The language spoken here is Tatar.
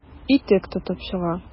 Итек тотып чыга.